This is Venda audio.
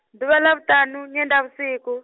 ḓuvha ḽa vhuṱaṋu nyendavhusiku.